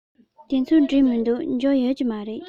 དེ ཚོ བྲིས མི འདུག འབྱོར ཡོད ཀྱི རེད